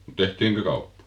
no tehtiinkö kauppa